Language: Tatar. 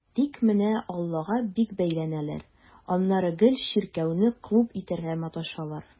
Тик менә аллага бик бәйләнәләр, аннары гел чиркәүне клуб итәргә маташалар.